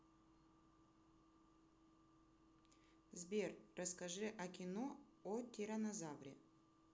сбер расскажи о кино о тиранозавре